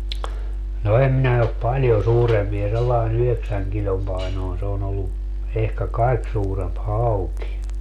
no en minä ole paljon suurempia sellainen yhdeksän kilon painoinen se on ollut ehkä kaikki suurempi hauki